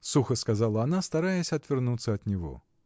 — сухо сказала она, стараясь отвернуться от него.